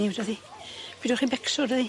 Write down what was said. ...wedodd 'i pidwch chi'n becso dydi?